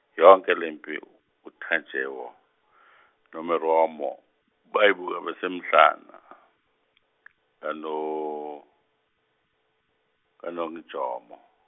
yonke le mpi o- Tajewo no- Meromo bayibuka besemhlane, kaNo- kaNongjombo.